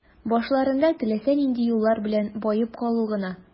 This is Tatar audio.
Башларында теләсә нинди юллар белән баеп калу гына.